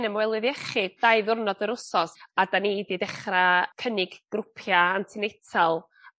...ymwelydd iechyd dau ddiwrnod yr wsos a 'dan ni 'di dechra cynnig grwpia' antinatal